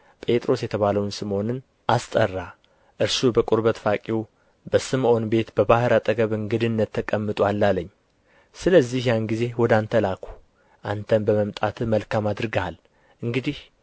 ጴጥሮስ የተባለውን ስምዖንን አስጠራ እርሱ በቍርበት ፋቂው በስምዖን ቤት በባሕር አጠገብ እንግድነት ተቀምጦአል አለኝ ስለዚህ ያን ጊዜ ወደ አንተ ላክሁ አንተም በመምጣትህ መልካም አድርገሃል እንግዲህ